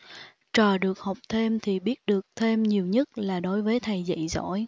trò được học thêm thì biết được thêm nhiều nhất là đối với thầy dạy giỏi